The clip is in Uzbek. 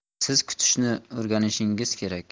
siz kutishni o'rganishingiz kerak